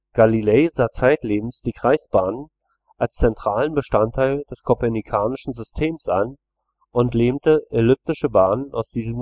Galilei sah zeitlebens die Kreisbahnen als zentralen Bestandteil des kopernikanischen Systems an und lehnte elliptische Bahnen aus diesem